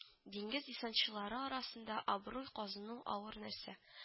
Диңгез десантчылары арасында абруй казыну авыр нәрсә